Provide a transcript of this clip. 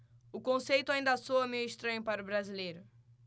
o conceito ainda soa meio estranho para o brasileiro